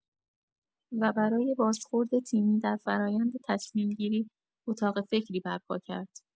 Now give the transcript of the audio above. و برای بازخورد تیمی در فرایند تصمیم‌گیری اتاق فکری برپا کرد.